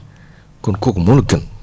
kon kooku moo la gën